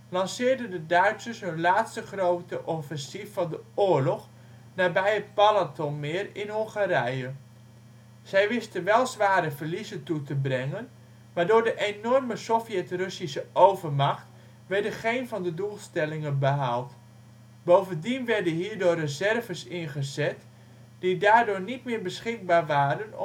lanceerden de Duitsers hun laatste grote offensief van de oorlog, nabij het Balatonmeer in Hongarije. Zij wisten wel zware verliezen toe te brengen, maar door de enorme Sovjet-Russische overmacht werden geen van de doelstellingen behaald. Bovendien werden hiervoor reserves ingezet die daardoor niet meer beschikbaar waren